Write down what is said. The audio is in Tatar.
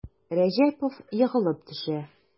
Рәҗәпов егылып төшә.